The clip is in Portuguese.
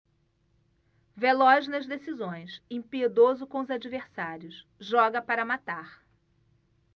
veloz nas decisões impiedoso com os adversários joga para matar